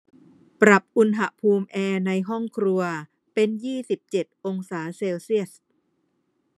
ปรับอุณหภูมิแอร์ในห้องครัวเป็นยี่สิบเจ็ดองศาเซลเซียส